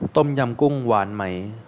ต้มยำกุ้งหวานไหม